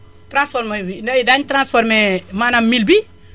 tranformé bi daañu transformé maanaam mil bi